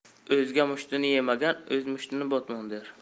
o'zga mushtini yemagan o'z mushtini botmon der